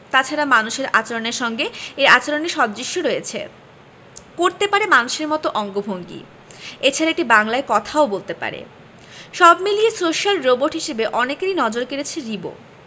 তাছাড়া মানুষের আচরণের সঙ্গে এর আচরণের সাদৃশ্য রয়েছে করতে পারে মানুষের মতো অঙ্গভঙ্গি এছাড়া এটি বাংলায় কথাও বলতে পারে সব মিলিয়ে সোশ্যাল রোবট হিসেবে অনেকেরই নজর কেড়েছে রিবো